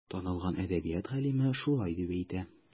Танылган әдәбият галиме шулай дип әйтә.